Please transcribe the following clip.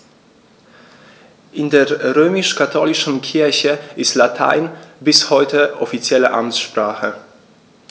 In der römisch-katholischen Kirche ist Latein bis heute offizielle Amtssprache.